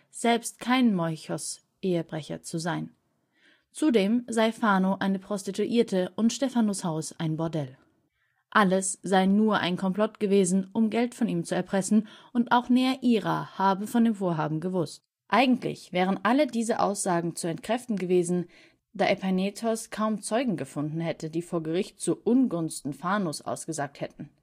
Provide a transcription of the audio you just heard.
selbst kein moichos (Ehebrecher) zu sein. Zudem sei Phano eine Prostituierte und Stephanos ' Haus ein Bordell. Alles sei nur ein Komplott gewesen, um Geld von ihm zu erpressen, und auch Neaira habe von dem Vorhaben gewusst. Eigentlich wären alle diese Aussagen zu entkräften gewesen, da Epainetos kaum Zeugen gefunden hätte, die vor Gericht zu Ungunsten Phanos ausgesagt hätten